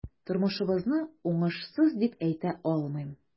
Тормышыбызны уңышсыз дип әйтә алмыйм.